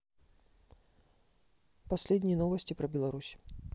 последние новости про беларусь